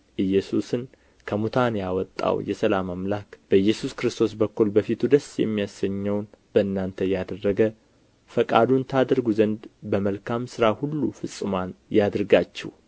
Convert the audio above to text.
ኢየሱስን ከሙታን ያወጣው የሰላም አምላክ በኢየሱስ ክርስቶስ በኩል በፊቱ ደስ የሚያሰኘውን በእናንተ እያደረገ ፈቃዱን ታደርጉ ዘንድ በመልካም ሥራ ሁሉ ፍጹማን ያድርጋችሁ